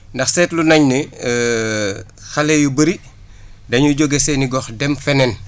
ndax seetlu nañ ne xale yu bëri dañuy jóge seen i gox dem feneen